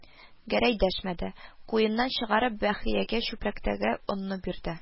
Гәрәй дәшмәде, куеныннан чыгарып Бәхриягә чүпрәктәге онны бирде